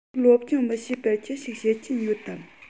ཁོས སློབ སྦྱོང མི བྱེད པར ཅི ཞིག བྱེད ཀྱིན ཡོད དམ